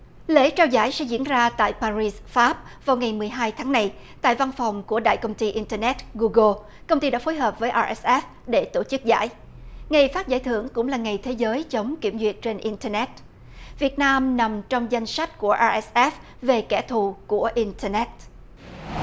lễ trao giải sẽ diễn ra tại pa ri pháp vào ngày mười hai tháng này tại văn phòng của đại công ty in tơ nét gu gồ công ty đã phối hợp với a ép ép để tổ chức giải ngày phát giải thưởng cũng là ngày thế giới chống kiểm duyệt trên in tơ nét việt nam nằm trong danh sách của a ép ép về kẻ thù của in tơ nét